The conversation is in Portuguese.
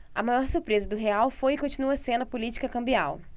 a maior surpresa do real foi e continua sendo a política cambial